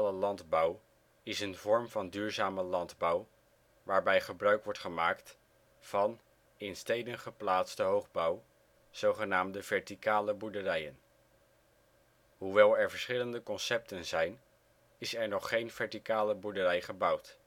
landbouw is een vorm van duurzame landbouw waarbij gebruik wordt gemaakt van in steden geplaatste hoogbouw, zogenaamde verticalen boerderijen. Hoewel er verschillende concepten zijn, is er nog geen verticale boerderij gebouwd